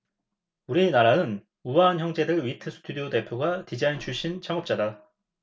우리나라는 우아한형제들 위트 스튜디오 대표가 디자인 출신 창업자다